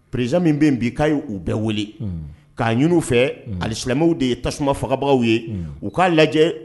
Président min bɛ yen bi k'a ye u bɛɛ wele k'a ɲini u fɛ alisilamɛw de ye tasuma fagabagaw ye u k'a lajɛ